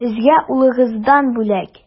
Сезгә улыгыздан бүләк.